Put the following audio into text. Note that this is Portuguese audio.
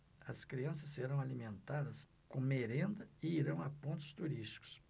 as crianças serão alimentadas com merenda e irão a pontos turísticos